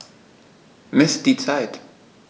Miss die Zeit.